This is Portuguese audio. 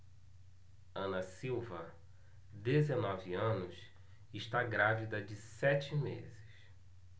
ana silva dezenove anos está grávida de sete meses